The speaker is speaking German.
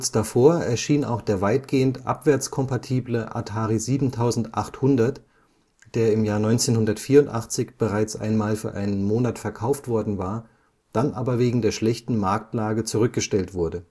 davor erschien auch der weitgehend abwärtskompatible Atari 7800 (der 1984 bereits einmal für gut einen Monat verkauft worden war, dann aber wegen der schlechten Marktlage zurückgestellt wurde